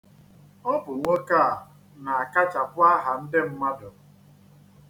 Ọ bụ nwoke a na-akachapụ aha ndị mmadụ.